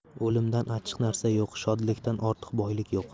o'limdan achchiq narsa yo'q shodlikdan ortiq boylik yo'q